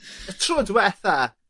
Y tro dwetha